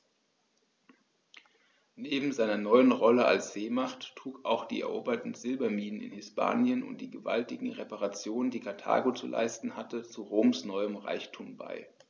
Neben seiner neuen Rolle als Seemacht trugen auch die eroberten Silberminen in Hispanien und die gewaltigen Reparationen, die Karthago zu leisten hatte, zu Roms neuem Reichtum bei.